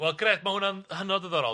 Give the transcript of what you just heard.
Wel grêt ma' hwnna'n hynod o ddiddorol.